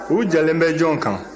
u jalen bɛ jɔn kan